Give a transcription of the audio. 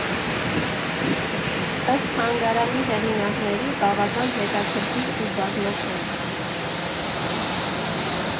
Ըստ թանգարանի հեղինակների՝ բավական հետաքրքիր ու բազմաշերտ։